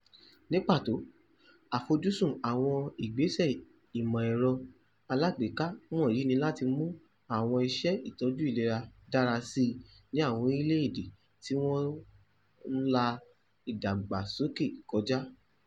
Ní pàtó, àfojúsùn àwọn ìgbésẹ̀ ìmọ̀-ẹ̀rọ alágbèéká wọ̀nyìí ni láti mú àwọn iṣẹ́ ìtọ́jú ìlera dára síi ní àwọn orílẹ̀-èdè tí wọ́n ń la ìdàgbàsókè kọjá.